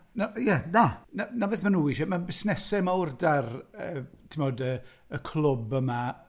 Na, ie na- na beth maen nhw isie, mae busnesau mawr 'da'r yy tibod yy y clwb yma.